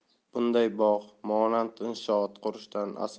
bunday bog' monand inshoot qurishdan